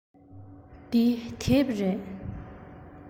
འདི དེབ རེད